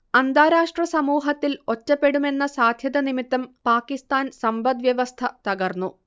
അന്താരാഷ്ട്ര സമൂഹത്തിൽ ഒറ്റപ്പെടുമെന്ന സാധ്യത നിമിത്തം പാകിസ്താൻ സമ്പദ് വ്യവസ്ഥ തകർന്നു